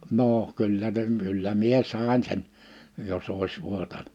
no kyllä se kyllä minä sain sen jos olisi vuotanut